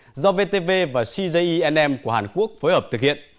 do vê tê vê và xi dây i en em của hàn quốc phối hợp thực hiện